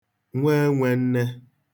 nwaenwēn̄nē